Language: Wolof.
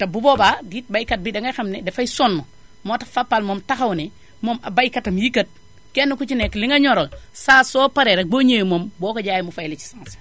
te bu boobaa it baykat bi dangay xam ne dafay sonn moo tax Fapal moom taxaw ne moom baykatam yii kat kenn ku ci nekk li nga ñoral saa soo paree rekk boo ñëwee moom boo ko jaayee mu fay la si saasi